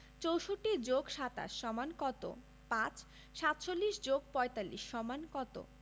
৬৪ + ২৭ = কত ৫ ৪৭ + ৪৫ = কত